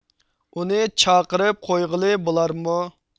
ئۇنى چاقىرىپ قويغىلى بولارمۇ